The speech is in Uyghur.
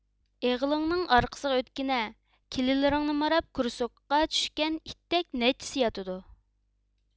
ئېغىلىڭنىڭ ئارقىسىغا ئۆتكىنە كېلىنلىرىڭنى ماراپ كۇرسۇكقا چۈشكەن ئىتتەك نەچچىسى ياتىدۇ